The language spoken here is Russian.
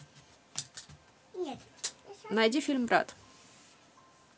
найди фильм брат